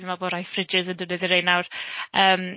Fi'n meddwl bod rai fridges yn defnyddio rain nawr yym...